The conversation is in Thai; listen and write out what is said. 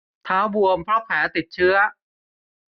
เท้าบวมเพราะแผลติดเชื้อ